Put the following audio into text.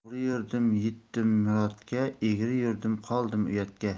to'g'ri yurdim yetdim murodga egri yurdim qoldim uyatga